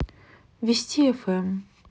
вести фм